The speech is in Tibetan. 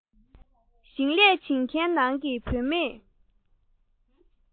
ཞིང ལས བྱེད མཁན ནང གི བུ མེད